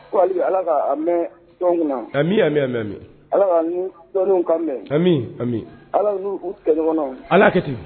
Ko hali ala ka a mɛn tɔn kunna ami' mɛn a mɛn mɛn ala ka ni tɔn ka mɛn ala n u kɛ ɲɔgɔnw alaki ten